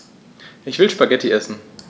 Ich will Spaghetti essen.